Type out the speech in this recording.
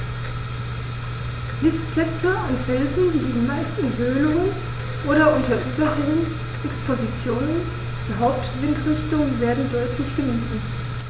Nistplätze an Felsen liegen meist in Höhlungen oder unter Überhängen, Expositionen zur Hauptwindrichtung werden deutlich gemieden.